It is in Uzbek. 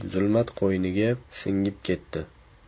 zulmat qo'yniga singib ketdi